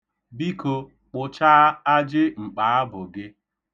Biko, kpụchaa ajị mkpaabụ gị